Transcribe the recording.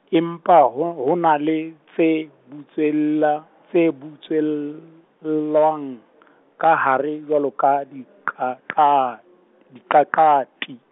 empa ho- hona le, tse butswella-, tse butswellwang, ka hare jwalo ka, diqaqa-, diqaqati.